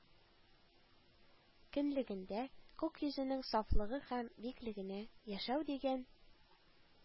Кенлегенә, күк йөзенең сафлыгы һәм биеклегенә, яшәү дигән